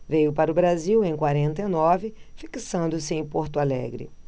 veio para o brasil em quarenta e nove fixando-se em porto alegre